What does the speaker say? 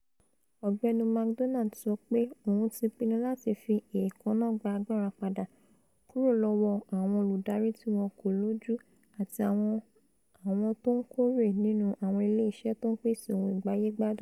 Ọ̀gbẹ́ni McDonnell sọ pé òun ti pinnu làti fi èékánná gba agbára padà kuro lọ́wọ́ 'àwọn olùdari tíwọn kò lójú' àti àwọn 'àwọn tó ńkórè' nínú àwọn ilé isẹ́ tó ńpèsè ohun ìgbáyé-gbádùn.